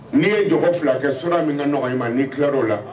N'i ye dɔgɔ fila kɛ su min ka ɲɔgɔnma nii kiyɔrɔ o la